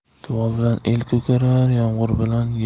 duo bilan el ko'karar yomg'ir bilan yer ko'karar